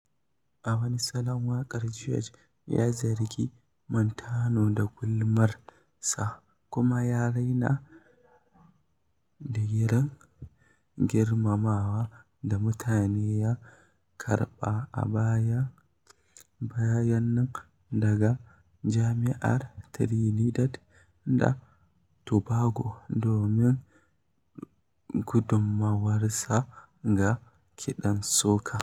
A wani salon waƙar, George ya zargi Montano da "gulmar" sa kuma ya raina digirin girmamawa da Montane ya karɓa a baya-bayan nan daga jami'ar Trinidad da Tobago domin gudummawarsa ga kiɗan soca.